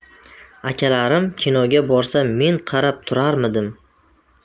akalarim kinoga borsa men qarab turarmidim